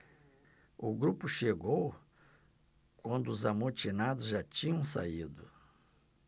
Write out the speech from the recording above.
o grupo chegou quando os amotinados já tinham saído